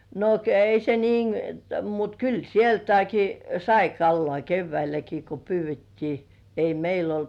no - ei se niin mutta kyllä sieltäkin sai kalaa keväälläkin kun pyydettiin ei meillä ollut